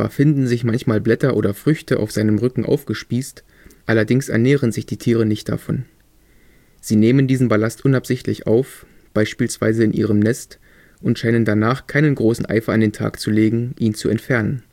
finden sich manchmal Blätter oder Früchte auf seinem Rücken aufgespießt, allerdings ernähren sich die Tiere nicht davon. Sie nehmen diesen Ballast unabsichtlich auf, beispielsweise in ihrem Nest, und scheinen danach keinen großen Eifer an den Tag zu legen, ihn zu entfernen